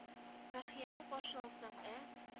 Фәрхияне каршы алсаң, ә